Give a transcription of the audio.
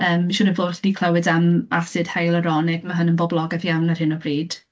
Yym, siŵr o fod chi 'di clywed am asid hyalwronig, ma' hwn yn boblogaidd iawn ar hyn o bryd.